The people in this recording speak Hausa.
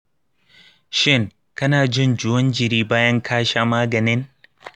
shin kana jin juwan jiri bayan ka sha maganin?